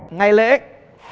ngày lễ